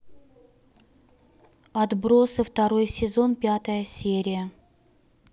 отбросы второй сезон пятая серия